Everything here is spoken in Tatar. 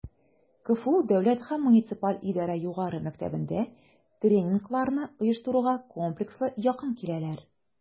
КФУ Дәүләт һәм муниципаль идарә югары мәктәбендә тренингларны оештыруга комплекслы якын киләләр: